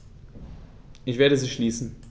Ich werde sie schließen.